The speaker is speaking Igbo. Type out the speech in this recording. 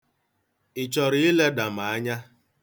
Ị chọrọ ileda m anya?